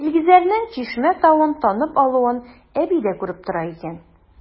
Илгизәрнең Чишмә тавын танып алуын әби дә күреп тора икән.